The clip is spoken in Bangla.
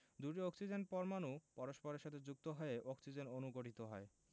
দুটি অক্সিজেন পরমাণু পরস্পরের সাথে যুক্ত হয়ে অক্সিজেন অণু গঠিত হয়